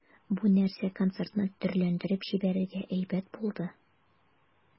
Бу нәрсә концертны төрләндереп җибәрергә әйбәт булды.